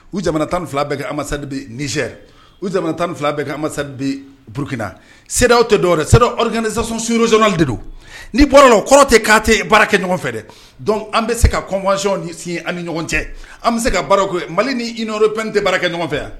U jamana tan ni fila kɛ amisadibi nise u jamana tan fila bɛ kɛ amisadibi burukina sew tɛ dɔwɛrɛ sekzson sroz de don nii bɔra la kɔrɔ tɛ k' tɛ baara kɛ ɲɔgɔn fɛ dɛ donc an bɛ se ka kɔnɔnzyɔn sin an ni ɲɔgɔn cɛ an bɛ se ka baara kɛ mali ni i tɛ baara kɛ ɲɔgɔnfɛ